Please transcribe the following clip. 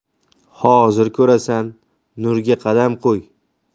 hozir ko'rasan nurga qadam qo'y